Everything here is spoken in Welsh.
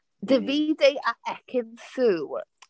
Davide a Ekin Su.